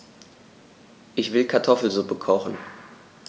Ich will Kartoffelsuppe kochen.